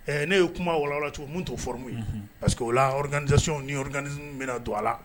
Ɛ ne ye kuma walala cogo min t'o fmu ye parceri que o lakanidsi nik minɛ don a la